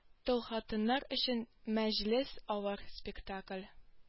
Тол хатыннар өчен мәҗлес авыр спектакль